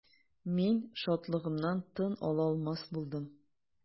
Мин шатлыгымнан тын ала алмас булдым.